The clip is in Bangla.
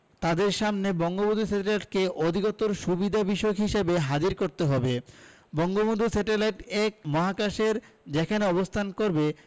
তাদের সামনে বঙ্গবন্ধু স্যাটেলাইটকে অধিকতর সুবিধার বিষয় হিসেবে হাজির করতে হবে বঙ্গবন্ধু স্যাটেলাইট ১ মহাকাশের যেখানে অবস্থান করবে